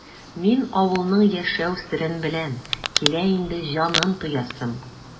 Мин авылның яшәү серен беләм, килә инде җанын тоясым!